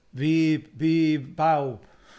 Fi bi bawb.